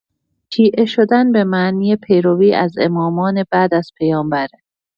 شیعه شدن به معنی پیروی از امامان بعد از پیامبره.